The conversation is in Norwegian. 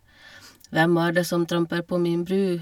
Hvem er det som tramper på min bru?